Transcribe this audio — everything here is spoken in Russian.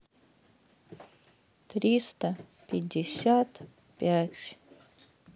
триста пятьдесят пять